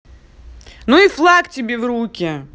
ну и флаг тебе в руки